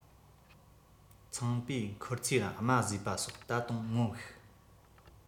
ཚངས པའི མཁུར ཚོས ལ རྨ བཟོས པ སོགས ད དུང ངོམས ཤིག